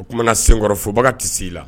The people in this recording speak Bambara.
O tumana senkɔrɔ fobaga tɛ' la